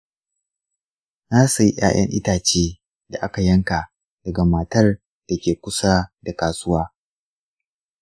na sayi ‘ya’yan itace da aka yanka daga matar da ke kusa da kasuwa.